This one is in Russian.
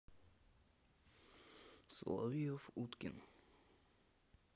соловьев уткин